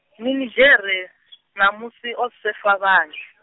minidzhere, mamusi o sefa vhanzhi.